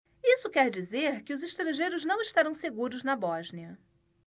isso quer dizer que os estrangeiros não estarão seguros na bósnia